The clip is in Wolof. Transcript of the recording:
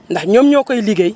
ndax ñoom ñoo koy liggéey